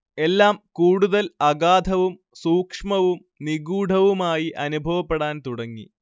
എല്ലാം കൂടുതൽ അഗാധവും സൂക്ഷ്മവും നിഗൂഢവുമായി അനുഭവപ്പെടാൻ തുടങ്ങി